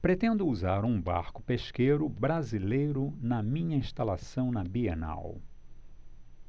pretendo usar um barco pesqueiro brasileiro na minha instalação na bienal